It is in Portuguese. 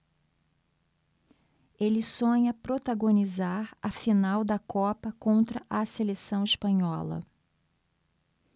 ele sonha protagonizar a final da copa contra a seleção espanhola